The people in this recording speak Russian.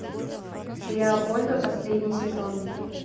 сериал ольга последний сезон